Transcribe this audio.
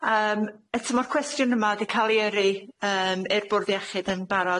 Yym eto ma'r cwestiwn yma 'di ca'l ei yrru yym i'r Bwrdd Iechyd yn barod